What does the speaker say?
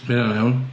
Hynna'n iawn.